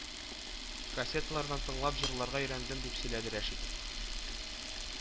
Кассеталардан тыңлап, җырларга өйрәндем , дип сөйләде Рәшит